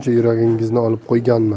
shuncha yuragingizni olib qo'yganmi